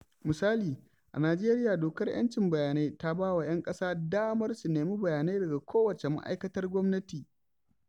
Misali, a Najeriya, Dokar 'Yancin Bayanai ta ba wa 'yan ƙasa damar su nemi bayanai daga kowace ma'aikatar gwamnati.